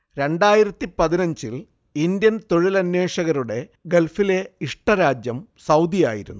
രണ്ടായിരത്തി പതിനഞ്ചില്‍ ഇന്ത്യൻ തൊഴിലന്വേഷകരുടെ ഗൾഫിലെ ഇഷ്ട രാജ്യം സൗദിയായിരുന്നു